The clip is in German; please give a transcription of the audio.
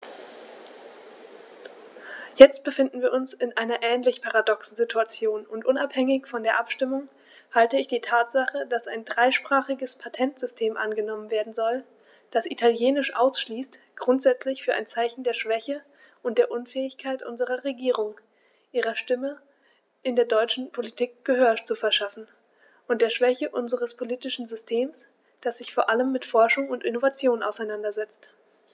Jetzt befinden wir uns in einer ähnlich paradoxen Situation, und unabhängig von der Abstimmung halte ich die Tatsache, dass ein dreisprachiges Patentsystem angenommen werden soll, das Italienisch ausschließt, grundsätzlich für ein Zeichen der Schwäche und der Unfähigkeit unserer Regierung, ihrer Stimme in der europäischen Politik Gehör zu verschaffen, und der Schwäche unseres politischen Systems, das sich vor allem mit Forschung und Innovation auseinandersetzt.